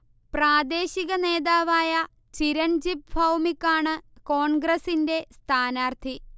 പ്രാദേശിക നേതാവായ ചിരൺജിബ് ഭോവ്മിക് ആണ് കോൺഗ്രസിന്റെ സ്ഥാനാർത്ഥി